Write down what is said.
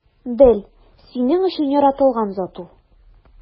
Бел: синең өчен яратылган зат ул!